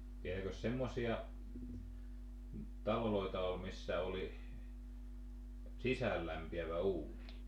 vieläkös semmoisia taloja oli missä oli sisäänlämpiävä uuni